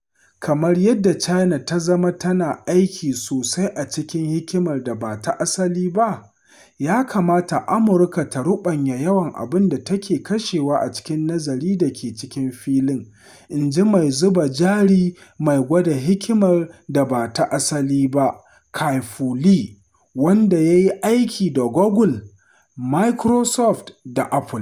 Kamar yadda China ta zama tana aiki sosai a cikin hikimar da ba ta asali ba, ya kamata Amurka ta ruɓanya yawan abin da take kashewa a cikin nazari da ke cikin filin, inji mai zuba jari mai gwada hikimar da ba ta asalin ba Kai-Fu Lee, wanda ya yi aiki da Google, Microsoft da Apple.